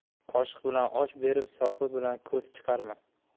qoshiq bilan osh berib sopi bilan ko'z chiqarma